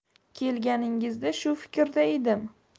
kelganingizda shu fikrda edim